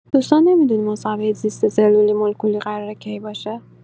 دوستان نمی‌دونید مصاحبۀ زیست سلولی مولکولی قراره کی باشه؟